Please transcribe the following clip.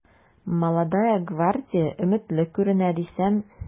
“молодая гвардия” өметле күренә дисәм...